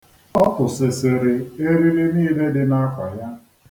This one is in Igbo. Ọ tụsịsịrị eriri niile dị n'akwa ya.